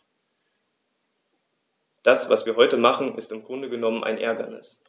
Das, was wir heute machen, ist im Grunde genommen ein Ärgernis.